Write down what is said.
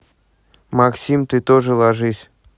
максим ты тоже ложись